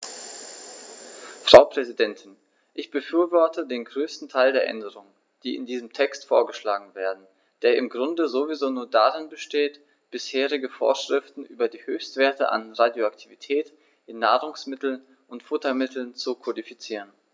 Frau Präsidentin, ich befürworte den größten Teil der Änderungen, die in diesem Text vorgeschlagen werden, der im Grunde sowieso nur darin besteht, bisherige Vorschriften über die Höchstwerte an Radioaktivität in Nahrungsmitteln und Futtermitteln zu kodifizieren.